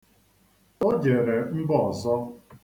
O jere mbà ọzọ.